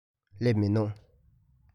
སླེབས མི འདུག